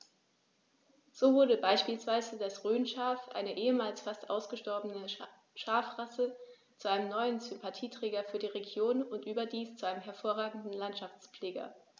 So wurde beispielsweise das Rhönschaf, eine ehemals fast ausgestorbene Schafrasse, zu einem neuen Sympathieträger für die Region – und überdies zu einem hervorragenden Landschaftspfleger.